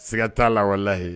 Sɛgɛiga t'a lawalelayi